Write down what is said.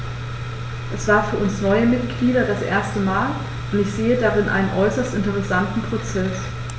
Das war für uns neue Mitglieder das erste Mal, und ich sehe darin einen äußerst interessanten Prozess.